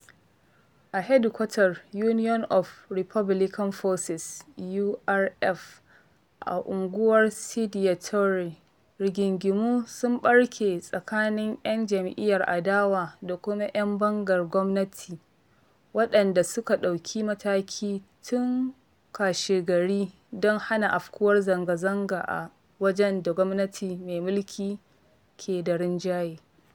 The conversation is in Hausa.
…a hedkwatar Union of Republican Forces (URF) a unguwar Sidya Toure, rigingimu sun ɓarke tsakanin 'yan jam'iyyar adawa da kuma 'yan bangar gwamnati waɗanda suka ɗauki mataki tun kashegari don hana afkuwar zanga-zanga a wajen da gwamnatin mai mulki ke da rinjaye.